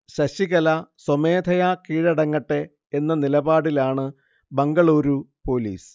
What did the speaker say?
ശശികല സ്വമേധയാ കീഴടങ്ങട്ടെ എന്ന നിലപാടിലാണു ബംഗളൂരു പൊലീസ്